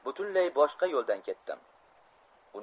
butunlay boshqa yo'ldan ketdim